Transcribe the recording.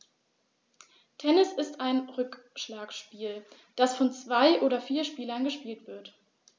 Tennis ist ein Rückschlagspiel, das von zwei oder vier Spielern gespielt wird.